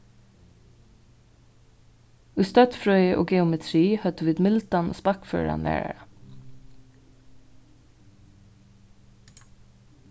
í støddfrøði og geometri høvdu vit mildan og spakføran lærara